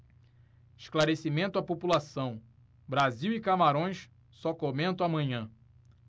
esclarecimento à população brasil e camarões só comento amanhã